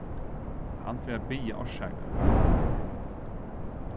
hann fer at biðja orsaka